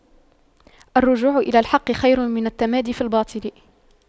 الرجوع إلى الحق خير من التمادي في الباطل